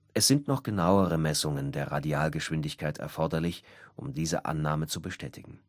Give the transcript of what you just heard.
Es sind noch genauere Messungen der Radialgeschwindigkeit erforderlich, um diese Annahme zu bestätigen